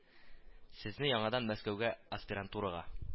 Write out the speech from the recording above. Сезне яңадан Мәскәүгә, аспирантурага